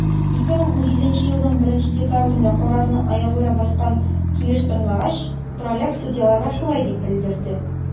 2017 елның 1 декабрендә, карарны аягүрә баскан килеш тыңлагач, праляк судьяларга шулай дип белдерде: